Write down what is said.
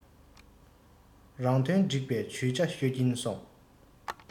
རང དོན སྒྲིག པའི ཇུས ཆ ཤོད ཀྱིན སོང